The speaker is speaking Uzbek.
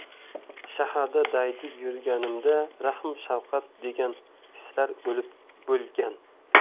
shaharda daydib yurganimda rahm shafqat degan hislar o'lib bo'lgan